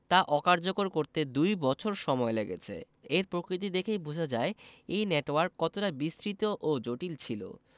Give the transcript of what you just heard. তা অকার্যকর করতে দুই বছর সময় লেগেছে এর প্রকৃতি দেখেই বোঝা যায় এই নেটওয়ার্ক কতটা বিস্তৃত ও জটিল ছিল